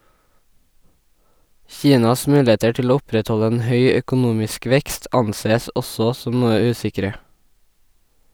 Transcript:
Kinas muligheter til å opprettholde en høy økonomisk vekst ansees også som noe usikre.